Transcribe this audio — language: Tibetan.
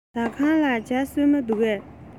ཟ ཁང ལ ཇ སྲུབས མ འདུག གས